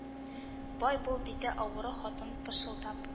Бай бул диде авыру хатын пышылдап